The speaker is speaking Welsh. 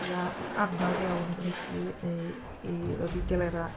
petha anodd iawn eu mynegi neu i ddod i delerau.